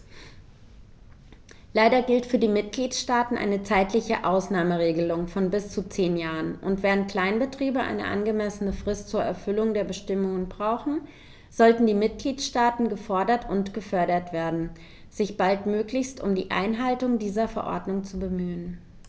Leider gilt für die Mitgliedstaaten eine zeitliche Ausnahmeregelung von bis zu zehn Jahren, und, während Kleinbetriebe eine angemessene Frist zur Erfüllung der Bestimmungen brauchen, sollten die Mitgliedstaaten gefordert und gefördert werden, sich baldmöglichst um die Einhaltung dieser Verordnung zu bemühen.